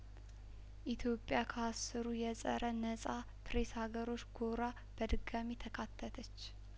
ኢትዮጵያ ከአስሩ የጸረ ነጻ ፕሬስ ሀገሮች ጐራ በድጋሚ ተካተተች